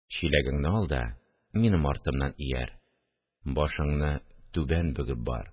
– чиләгеңне ал да минем артымнан ияр, башыңны түбән бөгеп бар